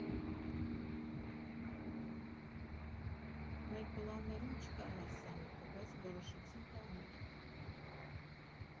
Մեր պլաններում չկար հարսանիքը, բայց որոշեցինք անել։